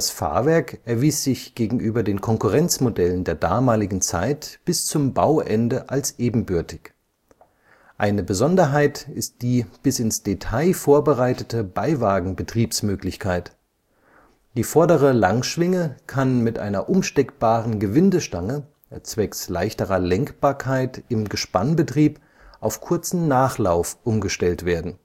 Fahrwerk erwies sich gegenüber den Konkurrenz-Modellen der damaligen Zeit bis zum Bauende als ebenbürtig. Eine Besonderheit ist die bis ins Detail vorbereitete Beiwagen-Betriebsmöglichkeit: Die vordere Langschwinge kann mit einer umsteckbaren Gewindestange zwecks leichter Lenkbarkeit im Gespannbetrieb auf kurzen Nachlauf umgestellt werden